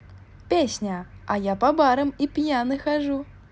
песня а я по барам и пьяный хожу